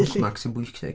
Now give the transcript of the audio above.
Bookmarks yn bwysig.